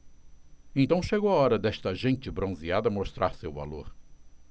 então chegou a hora desta gente bronzeada mostrar seu valor